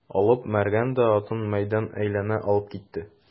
Алып Мәргән дә атын мәйдан әйләнә алып китте.